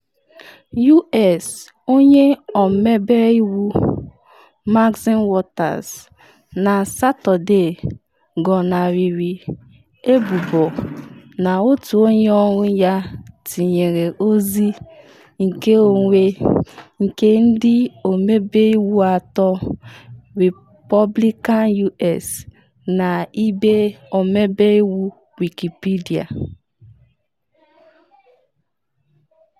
U.S. Onye ọmebe iwu Maxine Waters na Satọde gọnarịrị ebubo na otu onye ọrụ ya tinyere ozi nkeonwe nke ndị ọmebe iwu atọ Repọblikan U.S. na ibe ọmebe iwu Wikipedia.